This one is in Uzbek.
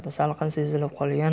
salqin sezilib qolgan